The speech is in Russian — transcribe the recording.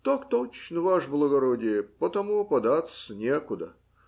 - Так точно, ваше благородие, потому податься некуда.